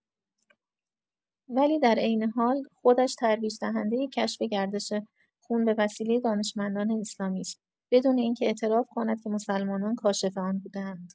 ولی در عین حال خودش ترویج دهنده کشف گردش خون به وسیله دانشمندان اسلامی است، بدون اینکه اعتراف کند که مسلمانان کاشف آن بوده‌اند.